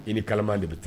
I ni kalaman de bɛ taa